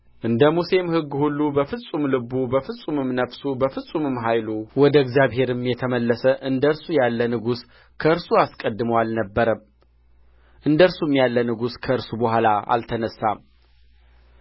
እንደ ሙሴም ሕግ ሁሉ በፍጹም ልቡ በፍጹምም ነፍሱ በፍጹምም ኃይሉ ወደ እግዚአብሔርም የተመለሰ እንደ እርሱ ያለ ንጉሥ ከእርሱ አስቀድሞ አልነበረም እንደ እርሱም ያለ ንጉሥ ከእርሱ በኋላ አልተነሣም